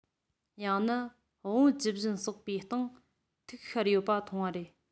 ཡང ན བོང བུ ཇི བཞིན སོག པའི སྟེང ཐིག ཤར ཡོད པ མཐོང བ རེད